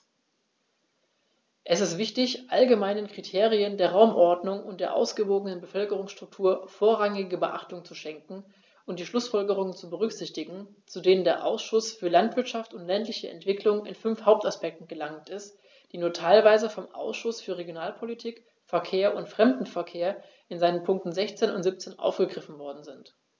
Es ist wichtig, allgemeinen Kriterien der Raumordnung und der ausgewogenen Bevölkerungsstruktur vorrangige Beachtung zu schenken und die Schlußfolgerungen zu berücksichtigen, zu denen der Ausschuss für Landwirtschaft und ländliche Entwicklung in fünf Hauptaspekten gelangt ist, die nur teilweise vom Ausschuss für Regionalpolitik, Verkehr und Fremdenverkehr in seinen Punkten 16 und 17 aufgegriffen worden sind.